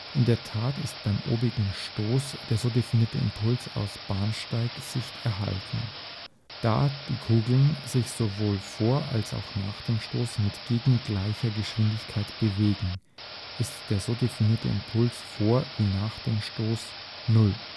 In der Tat ist beim obigen Stoß der so definierte Impuls aus Bahnsteig-Sicht erhalten: Da die Kugeln sich sowohl vor als auch nach dem Stoß mit gegengleicher Geschwindigkeit bewegen, ist der so definierte Impuls vor wie nach dem Stoß null